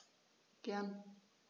Gern.